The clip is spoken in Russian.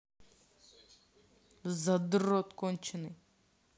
задрот конченный